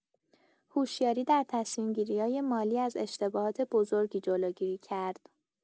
هوشیاری در تصمیم‌گیری‌های مالی، از اشتباهات بزرگی جلوگیری کرد.